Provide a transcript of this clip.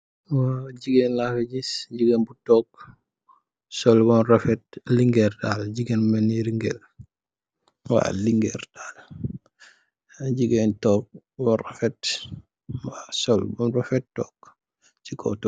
Waa gigain lafi gis, gigain bu tok solu bahm rafet, linguere daal gigain bu melni linguere, waw linguere daal, gigain tok wohrr rafet, waw solu behm rafet tok chi kaw tohgu.